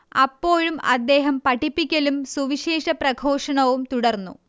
അപ്പോഴും അദ്ദേഹം പഠിപ്പിക്കലും സുവിശേഷ പ്രഘോഷണവും തുടർന്നു